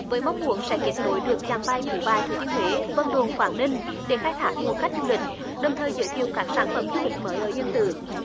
với mong muốn sẽ kết nối được chặng bay phú bài thừa thiên huế vân đồn quảng ninh để khai thác nguồn khách du lịch đồng thời giới thiệu các sản phẩm du lịch mới ở yên tử